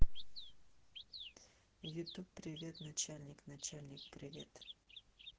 ютуб привет начальник начальник привет